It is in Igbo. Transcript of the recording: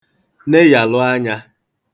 neyàlụ anyā